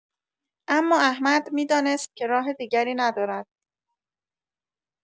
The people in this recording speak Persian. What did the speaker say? اما احمد می‌دانست که راه دیگری ندارد.